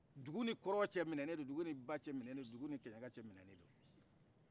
dugu ni kɔrɔn cɛ minɛ ne do dugu ni ba cɛ minɛ ne do dudu kɛɲɛka cɛ minɛ ne do